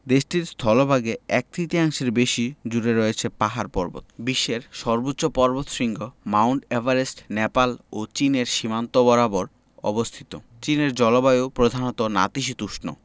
দেশটির স্থলভাগে এক তৃতীয়াংশের বেশি জুড়ে রয়েছে পাহাড় পর্বত বিশ্বের সর্বোচ্চ পর্বতশৃঙ্গ মাউন্ট এভারেস্ট নেপাল ও চীনের সীমান্ত বরাবর অবস্থিত চীনের জলবায়ু প্রধানত নাতিশীতোষ্ণ